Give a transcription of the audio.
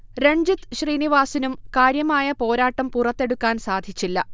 രൺജിത് ശ്രീനിവാസിനും കാര്യമായ പോരാട്ടം പുറത്തെടുക്കാൻ സാധിച്ചില്ല